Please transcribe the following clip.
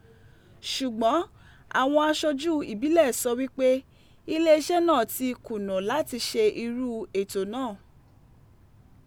Ṣùgbọ́n àwọn aṣojú ìbílẹ̀ sọ wípé iléeṣẹ́ náà ti kùnà láti ṣe irú ẹ̀tọ́ náà